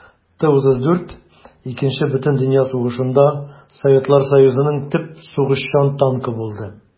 Т-34 Икенче бөтендөнья сугышында Советлар Союзының төп сугышчан танкы булды.